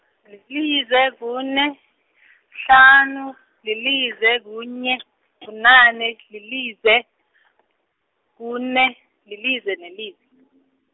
lilize, kune, kuhlanu, lilize, kunye, kunane, lilize, kune, lilize, nelize .